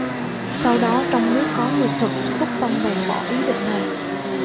sau đó trong nước có nguyệt thực túc tông bèn bỏ ý định này